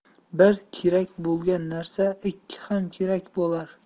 bir kerak bo'lgan narsa ikki ham kerak bo'lar